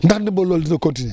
ndax ndimbal loolu dina continuer